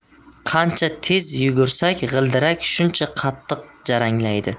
qancha tez yugursak g'ildirak shuncha qattiq jaranglaydi